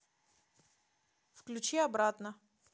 включи обратно